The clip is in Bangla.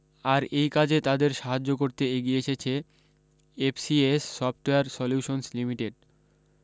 আর এই কাজে তাদের সাহায্য করতে এগিয়ে এসেছে এফসিএস সফটওয়্যার সলিউশনস লিমিটেড